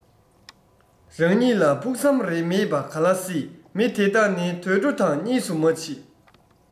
རང ཉིད ལ ཕུགས བསམ རེ མེད པ ག ལ སྲིད མི དེ དག ནི དུད འགྲོ དང གཉིས སུ མ མཆིས